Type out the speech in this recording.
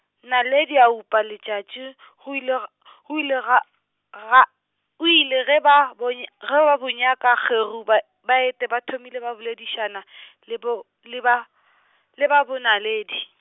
Naledi a upa letšatši , go ile g-, go ile ga, ga, go ile ge ba bo ny-, ge ba bo nyaka Kgeru ba, ba ete ba thomile ba boledišana , le bo, le ba , le ba bonaledi.